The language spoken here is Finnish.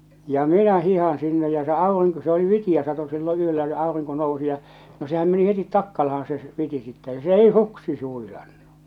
ja minä hiihdän sinne ja se aivan niin kuin se oli vitiä satoi silloin yöllä ja aurinko nousi ja no sehän meni heti takkalaan se viti sitten ja se ei suksi - huilannut